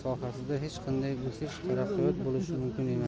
sohasida hech qanday o'sish taraqqiyot bo'lishi mumkin emas